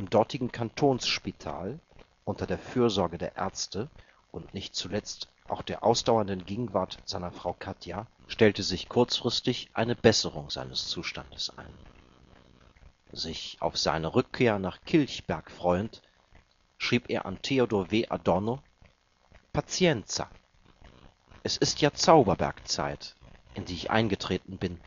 dortigen Kantonsspital, unter der Fürsorge der Ärzte – und nicht zuletzt auch der ausdauernden Gegenwart seiner Frau Katia – stellte sich kurzfristig eine Besserung seines Zustandes ein. Sich auf seine Rückkehr nach Kilchberg freuend, schrieb er an Theodor W. Adorno: „ Pazienza! Es ist ja Zauberberg-Zeit, in die ich eingetreten bin